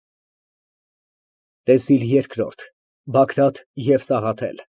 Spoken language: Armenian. ՏԵՍԻԼ ԵՐԿՐՈՐԴ ԲԱԳՐԱՏ ԵՎ ՍԱՂԱԹԵԼ։